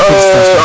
felicitation